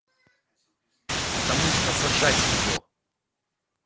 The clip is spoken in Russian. потому что сажать его